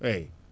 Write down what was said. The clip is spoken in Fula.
eyyi